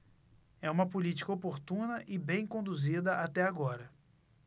é uma política oportuna e bem conduzida até agora